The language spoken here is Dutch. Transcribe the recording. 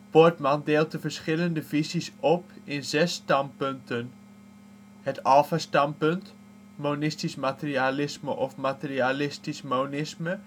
Poortman deelt de verschillende visies op, in zes standpunten: Het alfa-standpunt: Monistisch Materialisme of Materialistisch Monisme